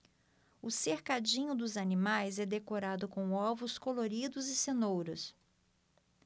o cercadinho dos animais é decorado com ovos coloridos e cenouras